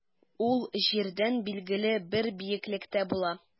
Ул җирдән билгеле бер биеклектә була.